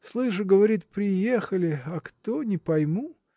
Слышу, говорит, приехали, а кто – не пойму.